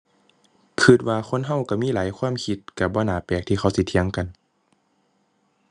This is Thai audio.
คิดว่าคนคิดคิดมีหลายความคิด คิดบ่น่าแปลกที่เขาสิเถียงกัน